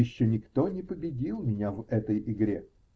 Еще никто не победил меня в этой игре.